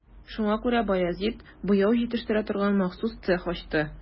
Шуңа күрә Баязит буяу җитештерә торган махсус цех ачты.